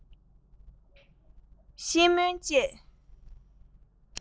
ཤིས སྨོན བཅས